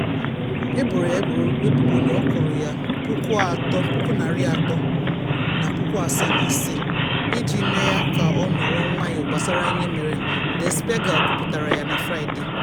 Eboro ebubo na ọ kwụrụ ya $375,000 iji mee ya ka ọ nọrọ nwayọọ gbasara ihe mere, Der Spiegel kwuputara na Fraịde.